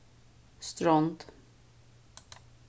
strond